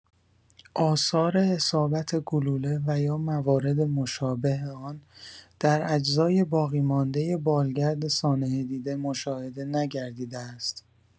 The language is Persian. آثار اصابت گلوله و یا موارد مشابه آن در اجزای باقی‌مانده بالگرد سانحه دیده مشاهده نگردیده است.